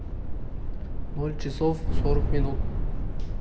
ноль часов сорок минут